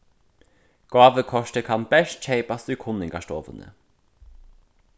gávukortið kann bert keypast í kunningarstovuni